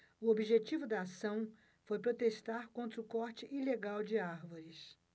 o objetivo da ação foi protestar contra o corte ilegal de árvores